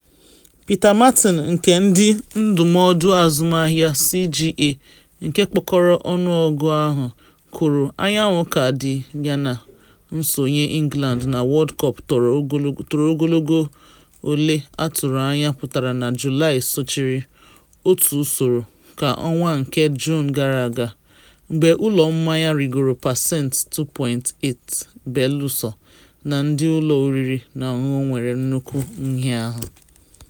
Peter Martin, nke ndị ndụmọdụ azụmahịa CGA, nke kpokọrọ ọnụọgụ ahụ, kwuru: “Anyanwụ ka dị yana nsonye England na World Cup toro ogologo ole atụrụ anya pụtara na Julaị sochiri otu usoro ka ọnwa nke Juun gara aga, mgbe ụlọ mmanya rịgoro pasentị 2.8, belụsọ na ndị ụlọ oriri na ọṅụṅụ nwere nnukwu nhịahụ.